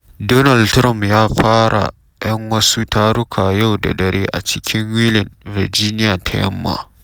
Shugaba Donald Trump ya fara ‘yan wasu taruka yau da dare a cikin Wheeling, Virginia ta Yamma.